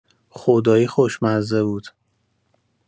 خدایی خوشمزه بود.